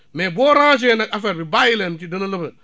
mais boo rangé nag affaire bi bçyyi leen ci dana *